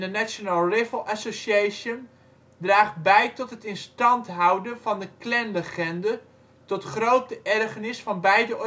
National Rifle Association draagt bij tot het in stand houden van de Klanlegende tot grote ergernis van beide